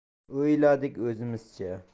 o'yladik o'zimizcha